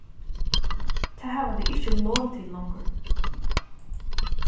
tað hava tey ikki lov til longur